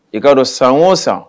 I k'a don san o san